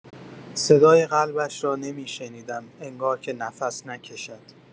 صدای قلبش را نمی‌شنیدم، انگار که نفس نکشد.